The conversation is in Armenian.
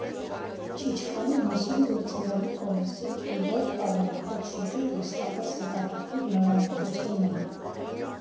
Չիչխանի, մասուրի և ծիրանի կորիզի յուղեր պարունակող շիճուկը իսկապես հետաքրքիր նորամուծություն է։